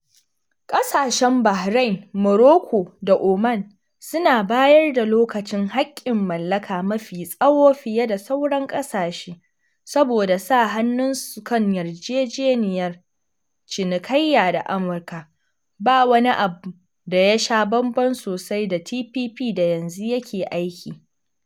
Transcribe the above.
Ƙasashen Bahrain, Morocco, da Oman suna bayar da lokacin haƙƙin mallaka mafi tsawo fiye da sauran ƙasashe, saboda sa hannunsu kan yarjejeniyar cinikayya da Amurka, ba wani abu da yasha bamban sosai da TPP da yanzu yake aiki.